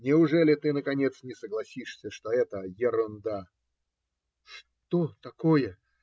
Неужели ты, наконец, не согласишься, что это ерунда? - Что такое?